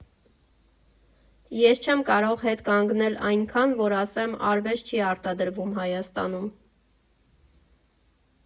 Ես չեմ կարող հետ կանգնել այնքան, որ ասեմ՝ արվեստ չի արտադրվում Հայաստանում։